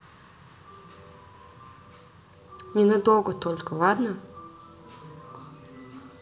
ненадолго только ладно